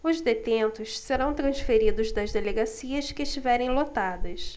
os detentos serão transferidos das delegacias que estiverem lotadas